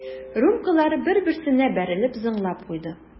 Рюмкалар бер-берсенә бәрелеп зыңлап куйды.